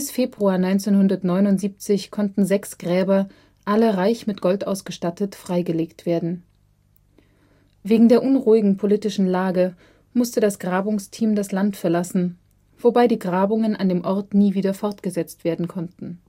Februar 1979 konnten sechs Gräber, alle reich mit Gold ausgestattet, freigelegt werden. Wegen der unruhigen politischen Lage musste das Grabungsteam das Land verlassen, wobei die Grabungen an dem Ort nie wieder fortgesetzt werden konnten